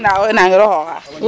Ndaa wo nangiro xooxaa,